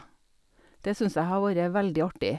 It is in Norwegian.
Det syns jeg har vorre veldig artig.